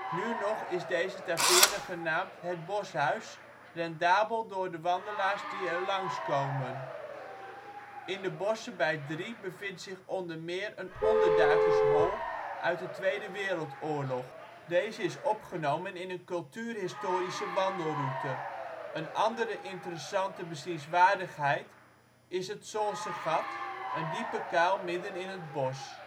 Nu nog is deze taveerne genaamd Het Boshuis rendabel door de wandelaars die er langskomen. In de bossen bij Drie bevindt zich onder meer een onderduikershol uit de Tweede Wereldoorlog; deze is opgenomen in een cultuurhistorische wandelroute. Een ander interessante bezienswaardigheid is het Solse Gat, een diepe kuil midden in het bos